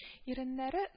Иреннәре